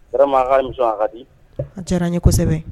vraiment a ka emission a kadi .A diyara an ye kosɛbɛ